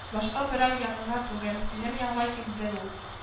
Башка берәү янына түгел, минем янга килде ул